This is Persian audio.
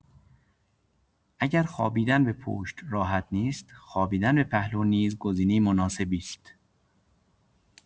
اگر خوابیدن به پشت راحت نیست، خوابیدن به پهلو نیز گزینه مناسبی است.